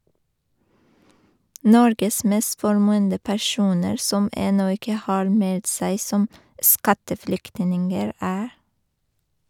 Norges mest formuende personer, som ennå ikke har meldt seg som skatteflyktninger, er...